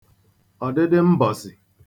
ọ̀dịdịmbọ̀sị̀